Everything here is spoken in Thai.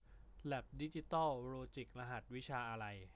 แล็บดิจิตอลลอจิครหัสวิชาอะไร